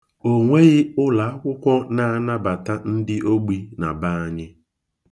O nweghị ụlọakwụkwọ na-anabata ndị ogbi na be anyị.